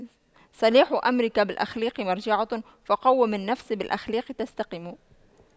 صلاح أمرك بالأخلاق مرجعه فَقَوِّم النفس بالأخلاق تستقم